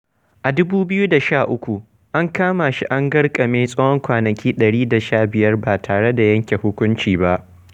A 2013, an kama shi an garƙame tsawon kwanaki 115 ba tare da yanke hukunci ba.